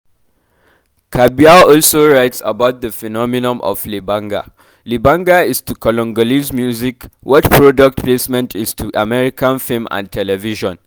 Cabiau also writes about the phenomenon of “libanga.” Libanga is to Congolese music what product placement is to American film and television.